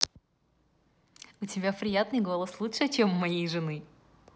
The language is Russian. у тебя приятный голос лучше чем у моей жены